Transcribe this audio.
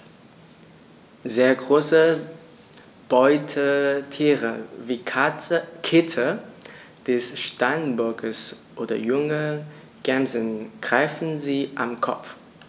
Sehr große Beutetiere wie Kitze des Steinbocks oder junge Gämsen greifen sie am Kopf.